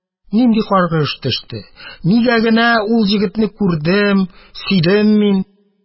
Нинди каргыш төште, нигә генә ул егетне күрдем, сөйдем мин?